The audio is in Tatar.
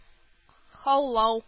Һаулау